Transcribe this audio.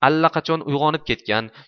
allaqachon uyg'onib ketgan